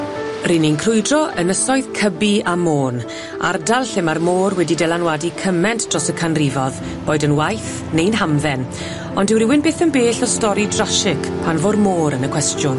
Ry' ni'n crwydro ynysoedd Cybi a Môn, ardal lle ma'r môr wedi dylanwadu cyment dros y canrifodd, boed yn waith neu'n hamdden, ond dyw rywun byth yn bell o stori drasig pan fo'r môr yn y cwestiwn.